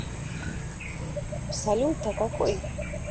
салют а какой